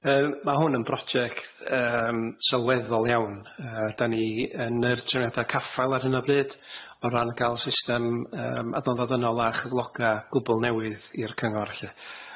Yym ma' hwn yn broject yym sylweddol iawn yy dan ni yn yr treniada caffal ar hyn o bryd o ran ga'l system yym adnoddaddynnol a chyfloga gwbl newydd i'r cyngor lly.